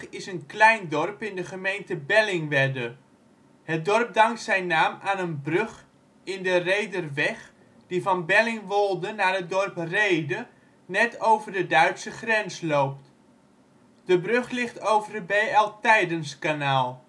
is een klein dorp in de gemeente Bellingwedde. Het dorp dankt zijn naam aan een brug in de Rhederweg die van Bellingwolde naar het dorp Rhede, net over de Duitse grens loopt. De brug ligt over het B.L. Tijdenskanaal